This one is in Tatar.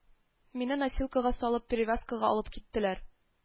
Мине носилкага салып перевязкага алып киттеләр